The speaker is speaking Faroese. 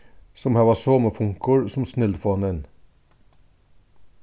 sum hava somu funkur sum snildfonin